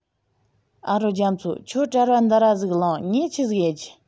ཨ རོ རྒྱ མཚོ ཁྱོད བྲེལ བ འདི ར ཟིག ལངས ངས ཆི ཟིག ཡེད རྒྱུ